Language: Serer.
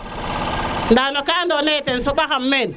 nda ka ando na ye tem soɓa xam men